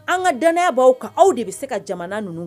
An ka danaya baw kan aw de bɛ se ka jamana ninnu